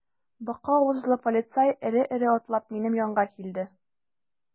Бака авызлы полицай эре-эре атлап минем янга килде.